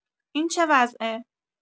این چه وضعه؟